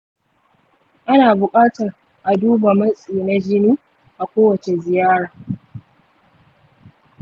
ana bukatar a duba matsi na jini a kowace ziyara.